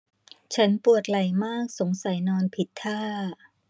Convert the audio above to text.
ฉันปวดไหล่มากสงสัยนอนผิดท่า